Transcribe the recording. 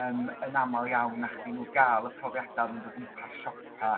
yym yn amal iawn nachdi? I n'w ga'l y profiada' o fynd o'gwmpas siopa'